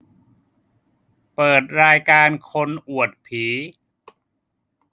เปิดรายการคนอวดผี